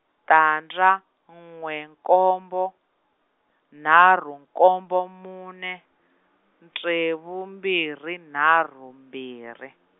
tandza n'we nkombo, nharhu nkombo mune, ntsevu mbirhi nharhu mbirhi.